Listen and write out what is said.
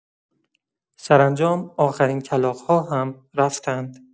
سرانجام آخرین کلاغ‌ها هم رفتند.